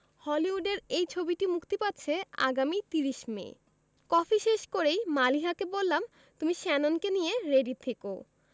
হলিউডের এই ছবিটি মুক্তি পাচ্ছে আগামী ৩০ মে কফি শেষ করেই মালিহাকে বললাম তুমি শ্যাননকে নিয়ে রেডি থেকো